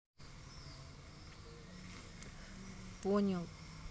понял